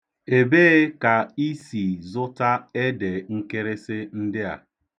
Ebee ka i si zụta ede nkịrịsị ndị a?